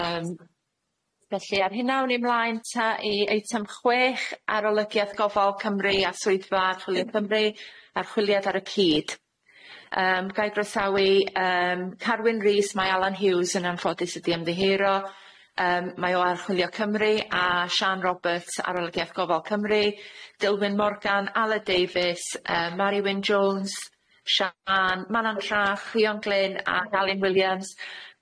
Yym. Felly ar hynna awn i mlaen 'ta i eitem chwech ar olygiath gofal Cymru a swyddfa archwilio Cymru, archwiliad ar y cyd, yym ga'i groesawu yym Carwyn Rees. Mae Alan Hughes yn anffodus wedi ymddiheuro yym mae o archwilio Cymru a Siân Roberts ar olygiad gofal Cymru, Dylwyn Morgan, Aled Davies yy, Mari Wyn Jones, Siân Manon Llach Ffion Glyn ac Alun Williams.